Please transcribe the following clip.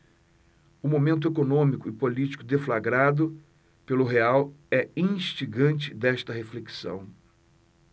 o momento econômico e político deflagrado pelo real é instigante desta reflexão